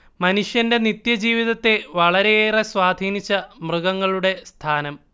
മനുഷ്യന്റെ നിത്യജീവിതത്തെ വളരെയേറെ സ്വാധീനിച്ച മൃഗങ്ങളുടെ സ്ഥാനം